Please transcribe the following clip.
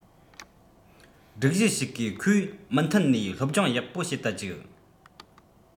སྒྲིག གཞི ཞིག གིས ཁོས མུ མཐུད ནས སློབ སྦྱོང ཡག པོ བྱེད དུ བཅུག